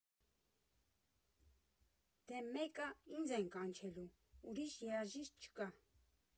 Դե մեկ ա ինձ են կանչելու, ուրիշ երաժիշտ չկա։